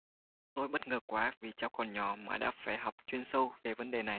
tôi bất ngờ quá vì cháu còn nhỏ mà đã phải học chuyên sâu về vấn đề này